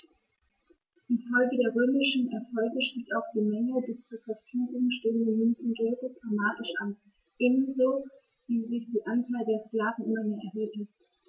Infolge der römischen Erfolge stieg auch die Menge des zur Verfügung stehenden Münzgeldes dramatisch an, ebenso wie sich die Anzahl der Sklaven immer mehr erhöhte.